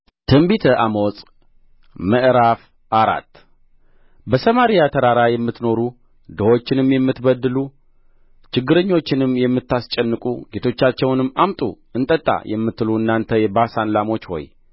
ትንቢተ አሞጽ ምዕራፍ አራት በሰማርያ ተራራ የምትኖሩ ድሆችንም የምትበድሉ ችጋረኞችንም የምታሰጨንቁ ጌቶቻቸውንም አምጡ እንጠጣ የምትሉ እናንተ የባሳን ላሞች ሆይ